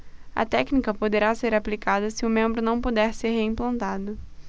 a técnica poderá ser aplicada se o membro não puder ser reimplantado